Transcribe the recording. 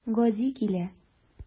Гази килә.